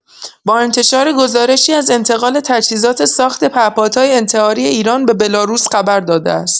با انتشار گزارشی از انتقال تجهیزات ساخت پهپادهای انتحاری ایران به بلاروس خبر داده است.